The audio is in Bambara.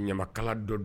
Ɲamakala dɔ